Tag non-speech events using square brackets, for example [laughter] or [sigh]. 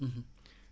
[hesitation] [hesitation]